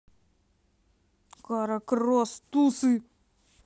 kara kross тусы